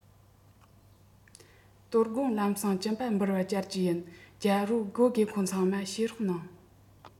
དོ དགོང ལམ སེང སྐྱིན པ འབུལ བར བཅར གྱི ཡིན རྒྱལ པོས སྒོ སྒེའུ ཁུང ཚང མ ཕྱེ རོགས གནང